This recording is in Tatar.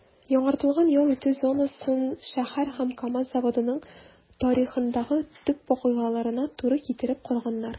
Яңартылган ял итү зонасын шәһәр һәм КАМАЗ заводының тарихындагы төп вакыйгаларына туры китереп корганнар.